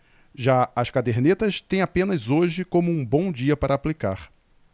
já as cadernetas têm apenas hoje como um bom dia para aplicar